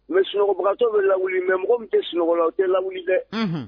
Mɛ sunɔgɔto bɛ lawu mɛ mɔgɔ min tɛ sunɔgɔla tɛ lawu dɛ